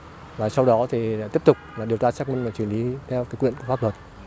và sau đó thì tiếp tục điều tra xác minh xử lý theo quy định pháp luật